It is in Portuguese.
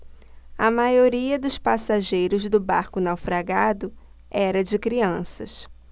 a maioria dos passageiros do barco naufragado era de crianças